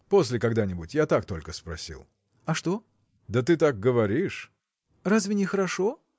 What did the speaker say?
после когда-нибудь; я так только спросил. – А что? – Да ты так говоришь. – Разве нехорошо?